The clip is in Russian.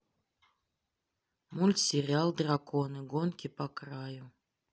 мультсериал драконы гонки по краю